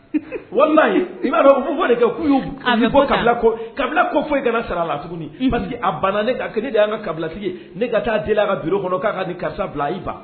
Walima na ye i b'a dɔn fɔ de kɛ bɔ kabila kabila kɔ foyi kana sara la tuguni parceri a ban ne ka kelen de y' ka kabilatigi ne ka taa deli a ka kɔnɔ k'a ka ni karisa bila i ba